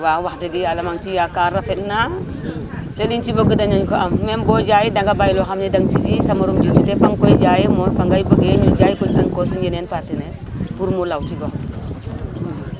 waaw wax dëgg yàlla maa ngi ciy yaakaar rafet na te liñ ci bëgg danañ ko am même booy jaay da nga bàyyi loo xam ne da nga ci ji sa amorom ji ci te fa nga koy jaay mooy fa ngay bëggee ñu jaay ko encore suñu yeneen partenaires pour mu law ci gox bi